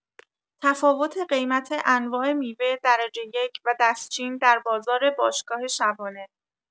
تفاوت قیمت انواع میوه درجه یک و دستچین در بازار باشگاه شبانه